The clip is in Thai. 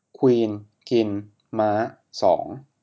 ควีนกินม้าสอง